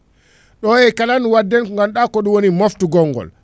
ɗo e kalan wadden ko ganduɗa ko ɗum woni moftugol ngol